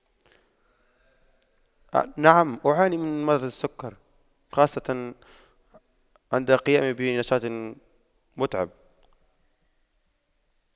نعم أعاني من مرض السكر خاصة عند قيامي بنشاط متعب